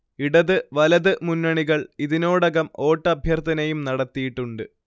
ഇടത് വലത് മുന്നണികൾ ഇതിനോടകം വോട്ടഭ്യർത്ഥനയും നടത്തിയിട്ടുണ്ട്